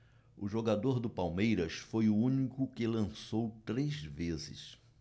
o jogador do palmeiras foi o único que lançou três vezes